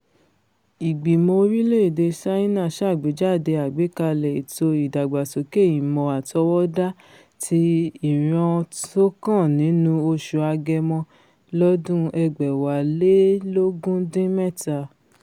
Ìgbìmọ̀ orílẹ̀-èdè Ṣáínà ṣàgbéjáde Àgbékalẹ Ètò Ìdàgbàsókè Ìmọ̀ Àtọwọ́dá ti Ìran Tókàn nínú oṣù Agẹmọ lọ́dún 2017.